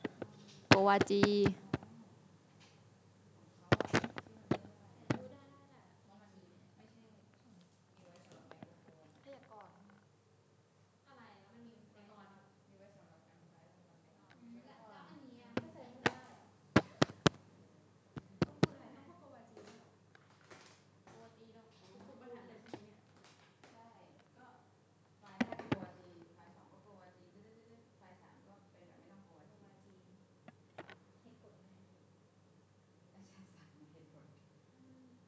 โกวาจี